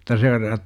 mutta se on -